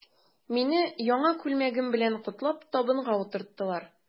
Мине, яңа күлмәгем белән котлап, табынга утырттылар.